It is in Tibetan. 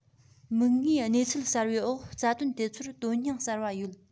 མིག སྔའི གནས ཚུལ གསར པའི འོག རྩ དོན དེ ཚོར དོན སྙིང གསར པ ཡོད